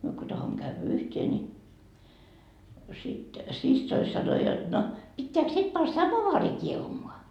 no me kun tahdomme käydä yhteen niin sitten siskoni sanoi jotta no pitääkö sitten pani samovaari kiehumaan